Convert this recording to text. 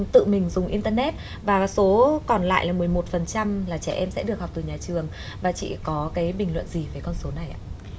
tự mình dùng in tơ nét và số còn lại là mười một phần trăm là trẻ em sẽ được học từ nhà trường và chị có cái bình luận gì về con số này ạ